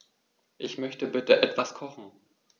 Ich möchte bitte etwas kochen.